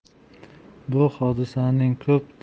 bu hodisaning ko'p